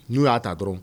N'u y'a ta dɔrɔn